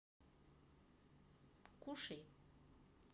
кушай